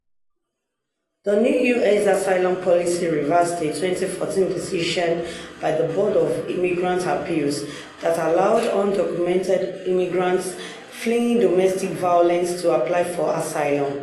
The new U.S. asylum policy reversed a 2014 decision by the Board of Immigrant Appeals that allowed undocumented immigrants fleeing domestic violence to apply for asylum.